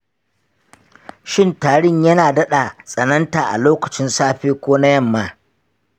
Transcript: shin tarin yana daɗa tsananta a lokacin safe ko na yamma?